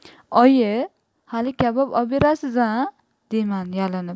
oyi hali kabob oberasiz a deyman yalinib